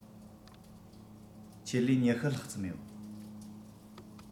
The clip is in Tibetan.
ཆེད ལས ༢༠ ལྷག ཙམ ཡོད